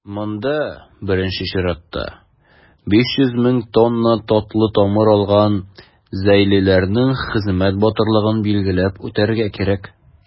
Монда, беренче чиратта, 500 мең тонна татлы тамыр алган зәйлеләрнең хезмәт батырлыгын билгеләп үтәргә кирәк.